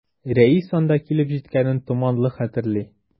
Рәис анда килеп җиткәнен томанлы хәтерли.